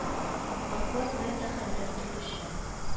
Банклар белән дә хәлләр төрлечә